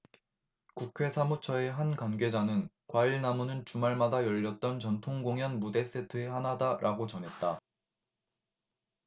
국회 사무처의 한 관계자는 과일나무는 주말마다 열렸던 전통공연 무대세트의 하나다라고 전했다